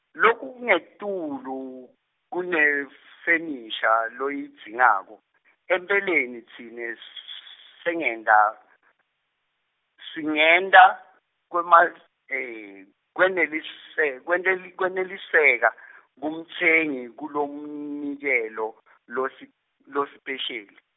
lokungetulu kunefenisha loyidzingako, empeleni tsine s- sengeta, sengeta kwema kwenelise- kweneli- kweneliseka , kumtsengi kulomnikelo losi losipesheli.